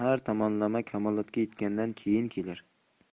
har tomonlama kamolotga yetgandan keyin kelar